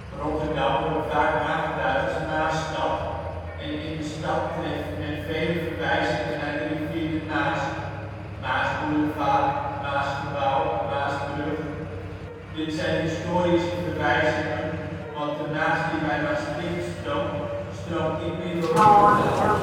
Rotterdam wordt vaak aangeduid als Maasstad, en in de stad treft men vele verwijzingen naar de rivier de Maas (Maasboulevard, Maasgebouw, Maasbrug). Dit zijn historische verwijzingen want de Maas die bij Maastricht stroomt, stroomt niet meer door Rotterdam